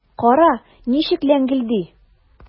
Кара, ничек ләңгелди!